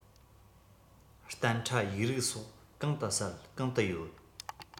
གཏན ཁྲ ཡིག རིགས སོགས གང དུ གསལ གང དུ ཡོད